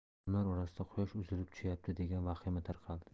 odamlar orasida quyosh uzilib tushyapti degan vahima tarqaldi